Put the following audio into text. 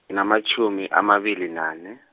nginamatjhumi, amabili nane.